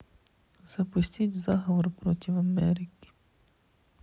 запустить заговор против америки